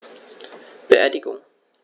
Beerdigung